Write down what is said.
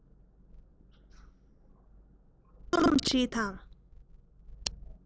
སྒྲུང རྩོམ བྲིས དང